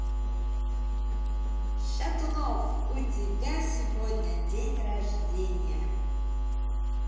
шатунов у тебя сегодня день рождения